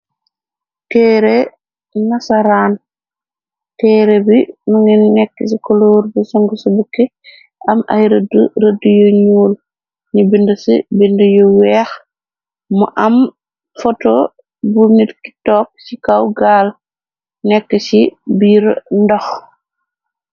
Teere nasaraan teere bi nu ngi nekk ci coloor bi song sa bukki am ay rëdd rëd yu ñuul ni bind ci bind yu weex mu am foto bu nit ki took ci kaw gaal nekk ci biir ndox.